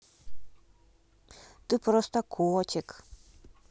ты просто котик